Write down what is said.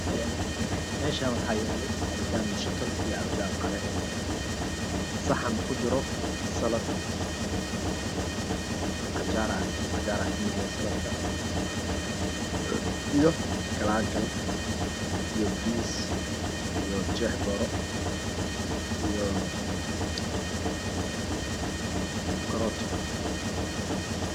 Mashan wax yalo cabitan moshkale iyo cabitan qar ah saxankan wagu jiro baris iyo doro